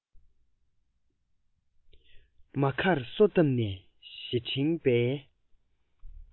མ ཁར སོ བཏབ ནས ཞེ འཁྲེང པའི